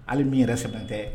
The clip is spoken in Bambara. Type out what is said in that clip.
Hali min yɛrɛ sɛ tɛ